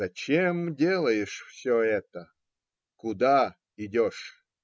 Зачем делаешь все это, куда идешь?